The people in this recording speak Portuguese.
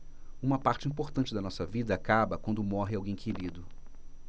uma parte importante da nossa vida acaba quando morre alguém querido